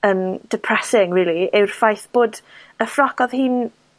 yn depressing rili yw'r ffaith bod y ffroc odd hi'n